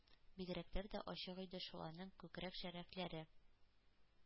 Бигрәкләр дә ачык иде шул аның күкрәк-шәрәфләре!